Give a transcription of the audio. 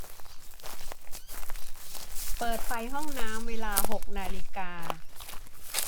เปิดไฟห้องน้ำเวลาหกนาฬิกา